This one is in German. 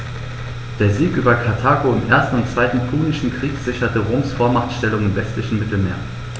Der Sieg über Karthago im 1. und 2. Punischen Krieg sicherte Roms Vormachtstellung im westlichen Mittelmeer.